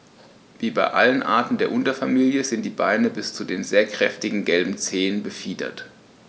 Wie bei allen Arten der Unterfamilie sind die Beine bis zu den sehr kräftigen gelben Zehen befiedert.